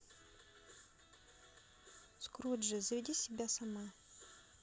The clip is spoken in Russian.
скруджи заведи себя сама